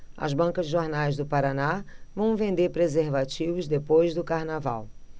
as bancas de jornais do paraná vão vender preservativos depois do carnaval